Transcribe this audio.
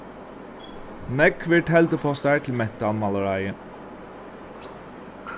nógvir teldupostar til mentamálaráðið